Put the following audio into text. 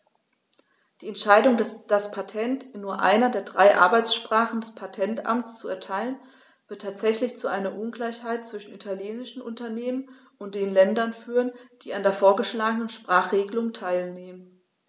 Die Entscheidung, das Patent in nur einer der drei Arbeitssprachen des Patentamts zu erteilen, wird tatsächlich zu einer Ungleichheit zwischen italienischen Unternehmen und den Ländern führen, die an der vorgeschlagenen Sprachregelung teilnehmen.